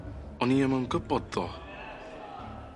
O'n i 'im yn gwbod ddo.